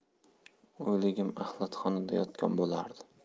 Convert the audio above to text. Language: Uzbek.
o'ligim axlatxonada yotgan bo'lardi